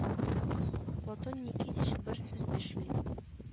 Платон никитич бер сүз дәшми